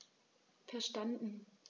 Verstanden.